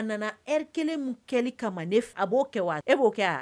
A nana eri kelen min kɛli kama a b'o kɛ wa e b'o kɛ wa